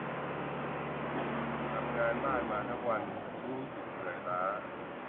ทำงานบ้านมาทั้งวันรู้สึกเหนื่อยล้า